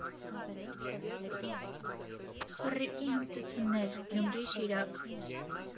Ֆռռիկի հմտություններ, Գյումրի, Շիրակ։